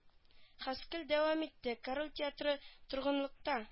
Хаскелл дәвам итте - король театры торгынлыкта